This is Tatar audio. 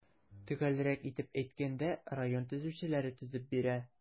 Төгәлрәк итеп әйткәндә, район төзүчеләре төзеп бирә.